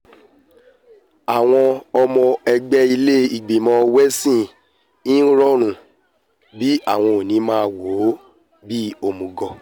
Àwọn ϙmϙ ẹgbẹ́ ilé ìgbìmọ̀ Welsh ń rọ́rùn bí àwọn ‘ò ní máa wo bíi òmὺgọ̀’